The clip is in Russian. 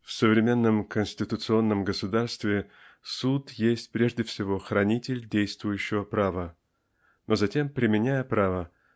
В современном конституционном государстве суд есть прежде всего хранитель действующего права но затем применяя право